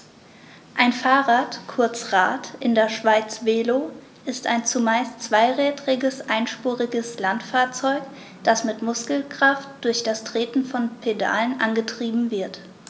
Ein Fahrrad, kurz Rad, in der Schweiz Velo, ist ein zumeist zweirädriges einspuriges Landfahrzeug, das mit Muskelkraft durch das Treten von Pedalen angetrieben wird.